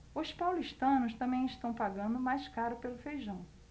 os paulistanos também estão pagando mais caro pelo feijão